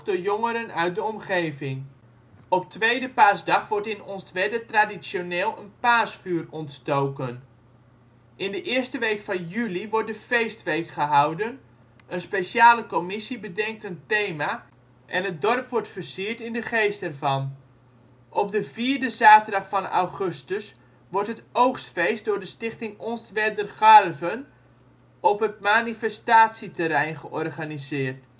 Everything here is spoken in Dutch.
jongeren uit de omgeving. Op tweede Paasdag wordt in Onstwedde traditioneel een paasvuur ontstoken. In de eerste week van juli wordt de feestweek gehouden. Een speciale commissie bedenkt een thema en de door het dorp worden versiert in de geest ervan. Op de vierde zaterdag van augustus wordt het oogstfeest door de stichting Onstwedder Gaarv 'n op het manifestatieterrein georganiseerd